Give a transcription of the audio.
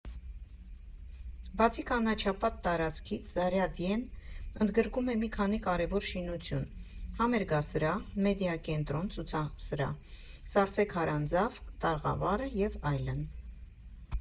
Բացի կանաչապատ տարածքից Զարյադյեն ընդգրկում է մի քանի կարևոր շինություն՝ համերգասրահ, մեդիա կենտրոն (ցուցասրահ), «Սառցե քարանձավ» տաղավարը և այլն։